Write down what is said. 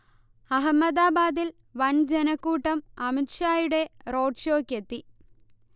അഹമ്മദാബാദിൽ വൻ ജനക്കൂട്ടം അമിത്ഷായുടെ റോഡ് ഷോയ്ക്കെത്തി